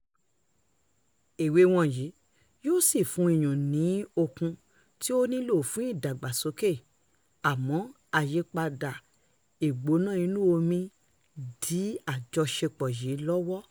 Ewé wọ̀nyí yóò sì fún iyùn ní okun tí ó nílò fún ìdàgbàsókè, àmọ́ àyípadà ìgbóná inú omi ń dí àjọṣepọ̀ yìí lọ́wọ́.